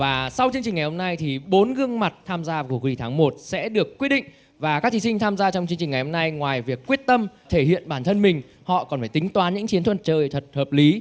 và sau chương trình ngày hôm nay thì bốn gương mặt tham gia cuộc thi tháng một sẽ được quyết định và các thí sinh tham gia trong chương trình ngày hôm nay ngoài việc quyết tâm thể hiện bản thân mình họ còn phải tính toán những chiến thuật chơi thật hợp lý